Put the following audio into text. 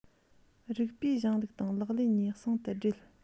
རིགས པའི གཞུང ལུགས དང ལག ལེན གཉིས ཟུང དུ སྦྲེལ